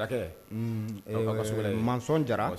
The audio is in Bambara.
Zɔn jara